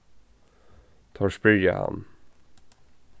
teir spyrja hann